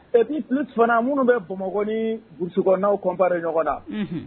Ɛpi ki fana minnu bɛ bamakɔkiurusknaw kɔnprɛ ɲɔgɔn la